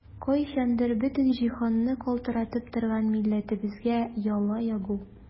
Кайчандыр бөтен җиһанны калтыратып торган милләтебезгә яла ягу!